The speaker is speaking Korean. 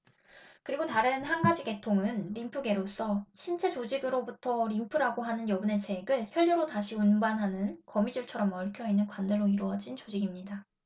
그리고 다른 한 가지 계통은 림프계로서 신체 조직으로부터 림프라고 하는 여분의 체액을 혈류로 다시 운반하는 거미줄처럼 얽혀 있는 관들로 이루어진 조직입니다